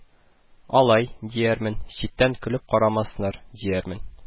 Алай, диярмен, читтән көлеп карамасыннар, диярмен